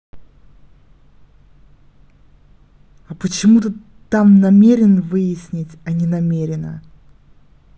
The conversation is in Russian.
а почему то там намерен выяснить а не намерена